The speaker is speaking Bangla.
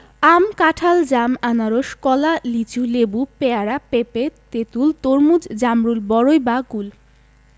আম কাঁঠাল জাম আনারস কলা লিচু লেবু পেয়ারা পেঁপে তেঁতুল তরমুজ জামরুল বরই বা কুল